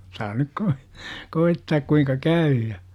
saa nyt - koettaa kuinka käy ja